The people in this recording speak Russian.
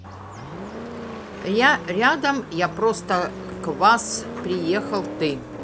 рядом я просто квас приехал ты